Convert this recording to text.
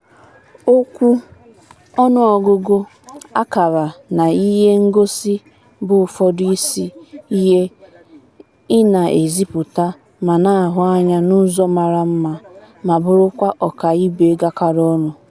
OM: Okwu, ọnụọgụgụ, akara na ihengosi bụ ụfọdụ isi ihe ị na-esepụta ma na-ahụ anya n'ụzọ mara mma ma bụrụkwa ọkaibe gakọrọ onụ.